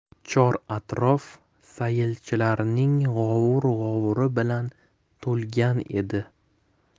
chor atrof sayilchilarning g'ovur g'uvuri bilan to'lgan edi